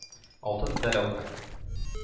Алтын медаль алып кайтты.